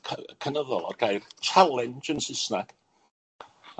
cy- cynyddol o'r gair challenge yn Saesnag.